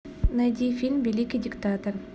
найди фильм великий диктатор